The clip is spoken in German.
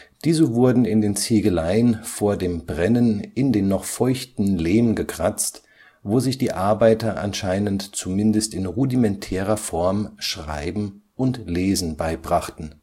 Diese wurden in den Ziegeleien vor dem Brennen in den noch feuchten Lehm gekratzt, wo sich die Arbeiter anscheinend zumindest in rudimentärer Form Schreiben und Lesen beibrachten